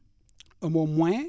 amoo moyen